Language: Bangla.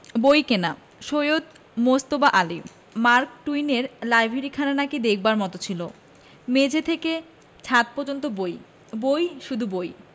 বইকেনা সৈয়দ মুজতবা আলী মার্ক টুয়েনের লাইব্রেরিখানা নাকি দেখবার মত ছিল মেঝে থেকে ছাত পর্যন্ত বই বই শুধু বই